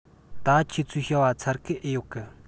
ད ཁྱེད ཆོའི བྱ བ ཚར གི ཨེ ཡོད གི